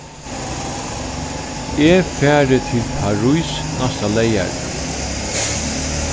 eg fari til parís næsta leygardag